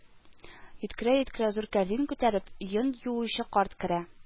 Йөткерә-йөткерә, зур кәрзин күтәреп, йон юучы карт керә